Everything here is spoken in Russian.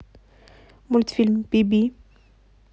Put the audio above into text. мультфильм биби